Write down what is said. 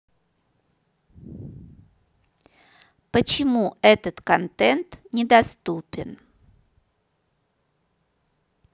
почему этот контент недоступен